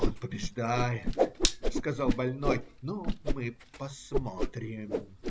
- Он побеждает, - сказал больной, - но мы посмотрим.